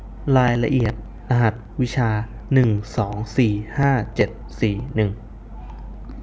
รายละเอียดรหัสวิชาหนึ่งสองสี่ห้าเจ็ดสี่หนึ่ง